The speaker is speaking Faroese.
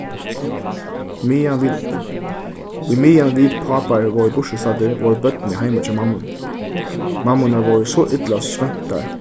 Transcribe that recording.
meðan vit ímeðan vit pápar vóru burturstaddir vóru børnini heima hjá mammunum mammurnar vóru so illa svøvntar